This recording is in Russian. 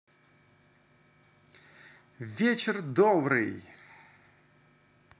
вечер добрый